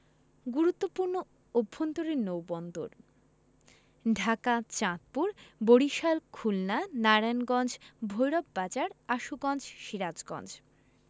গুরুত্বপূর্ণ অভ্যন্তরীণ নৌবন্দরঃ ঢাকা চাঁদপুর বরিশাল খুলনা নারায়ণগঞ্জ ভৈরব বাজার আশুগঞ্জ সিরাজগঞ্জ